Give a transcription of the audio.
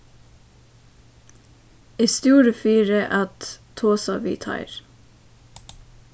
eg stúri fyri at tosa við teir